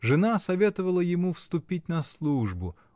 Жена советовала ему вступить на службу